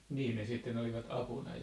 niin ne sitten olivat apuna jo